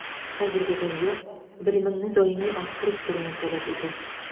Хәзерге дөнья белемеңне даими арттырып торуны таләп итә.